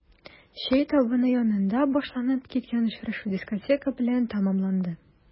Чәй табыны янында башланып киткән очрашу дискотека белән тәмамланды.